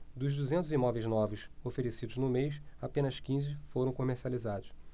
dos duzentos imóveis novos oferecidos no mês apenas quinze foram comercializados